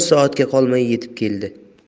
soatga qolmay yetib keldi